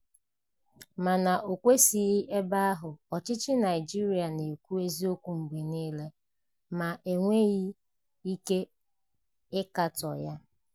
Mana ọ kwụsịghị ebe ahụ, ọchịchị Naịjirịa na-ekwu eziokwu mgbe niile ma e nweghị ike ịkatọ ya.